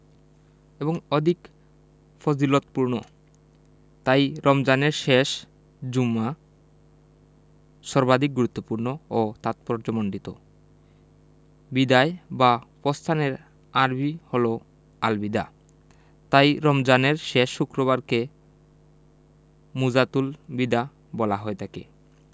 এবং অধিক ফজিলতপূর্ণ তাই রমজানের শেষ জুমা সর্বাধিক গুরুত্বপূর্ণ ও তাৎপর্যমণ্ডিত বিদায় বা পস্থানের আরবি হলো আল বিদা তাই রমজানের শেষ শুক্রবারকে মুজাতুল বিদা বলা হয়ে থাকে